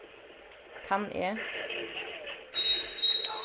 kann eg